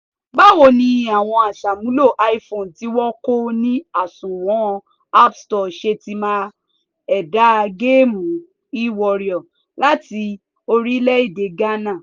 Báwo ni àwọn aṣàmúlò iPhone tí wọn kò ní àsùnwọ̀n App Store ṣe ti máa ẹ̀dà Géèmù iWarrior láti orílẹ̀-èdè Ghana?